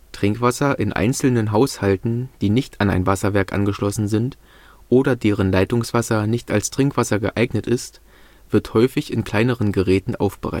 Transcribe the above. Trinkwasser in einzelnen Haushalten, die nicht an ein Wasserwerk angeschlossen sind oder deren Leitungswasser nicht als Trinkwasser geeignet ist, wird häufig mit kleineren Geräten aufbereitet. Die